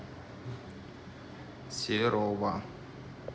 серова